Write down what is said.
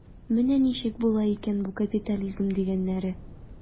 Менә ничек була икән бу капитализм дигәннәре.